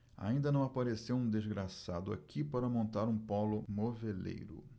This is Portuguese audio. ainda não apareceu um desgraçado aqui para montar um pólo moveleiro